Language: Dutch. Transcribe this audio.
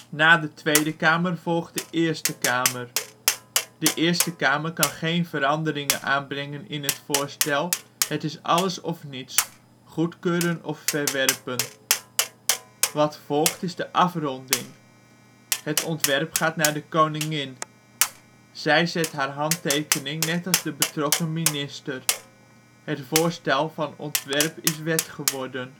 Na de Tweede Kamer volgt de Eerste Kamer. De Eerste Kamer kan geen veranderingen aanbrengen in het voorstel, het is alles-of-niets: goedkeuren of verwerpen. Wat volgt is de afronding. Het ontwerp gaat naar de Koningin, zij zet haar handtekening net als de betrokken minister (s). Het voorstel is van ontwerp wet geworden